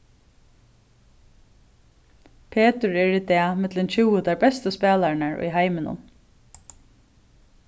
petur er í dag millum tjúgu teir bestu spælararnar í heiminum